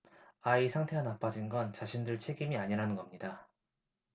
아이 상태가 나빠진 건 자신들 책임이 아니라는 겁니다